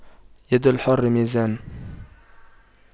يد الحر ميزان